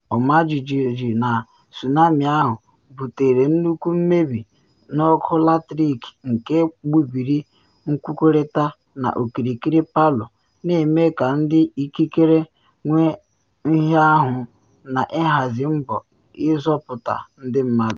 Ọmajiji na tsunami ahụ butere nnukwu mmebi n’ọkụ latrik nke gbubiri nkwukọrịta n’okirikiri Palu na eme ka ndị ikikere nwee nhịahụ na ịhazi mbọ ịzọpụta ndị mmadụ.